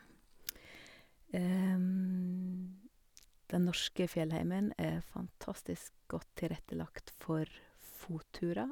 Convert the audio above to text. Den norske fjellheimen er fantastisk godt tilrettelagt for fotturer.